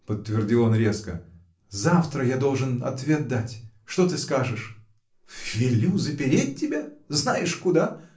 — подтвердил он резко, — завтра я должен ответ дать. Что ты скажешь? — Велю запереть тебя. знаешь куда!